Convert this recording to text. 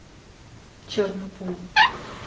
черная пуля